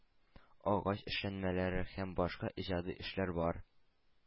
Агач эшләнмәләре һәм башка иҗади эшләр бар.